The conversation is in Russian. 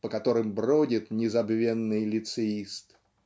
по которым бродит незабвенный лицеист